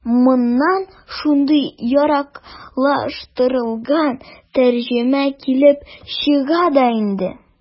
Моннан шундый яраклаштырылган тәрҗемә килеп чыга да инде.